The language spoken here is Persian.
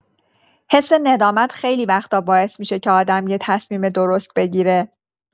حس ندامت خیلی وقتا باعث می‌شه که آدم یه تصمیم درست بگیره.